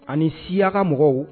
Ani Sia ka mɔgɔw